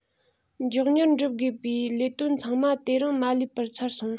མགྱོགས མྱུར འགྲུབ དགོས པའི ལས དོན ཚང མ དེ རིང མ ལུས པར ཚར སོང